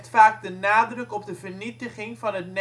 vaak de nadruk op de vernietiging van het